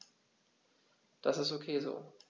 Das ist ok so.